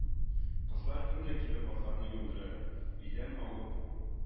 Кызлар көн дә килеп атларны юындыра, өйдән алып